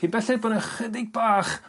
cyn belled bo' 'na ychydig bach